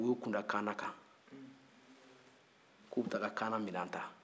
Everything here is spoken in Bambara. u y'u kunda kaana kan k'u b taa kaana minɛn ta